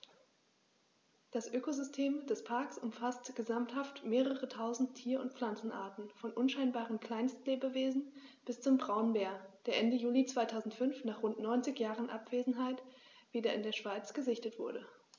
Das Ökosystem des Parks umfasst gesamthaft mehrere tausend Tier- und Pflanzenarten, von unscheinbaren Kleinstlebewesen bis zum Braunbär, der Ende Juli 2005, nach rund 90 Jahren Abwesenheit, wieder in der Schweiz gesichtet wurde.